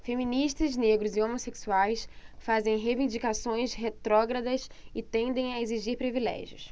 feministas negros e homossexuais fazem reivindicações retrógradas e tendem a exigir privilégios